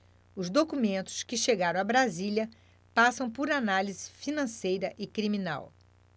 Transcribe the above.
os documentos que chegaram a brasília passam por análise financeira e criminal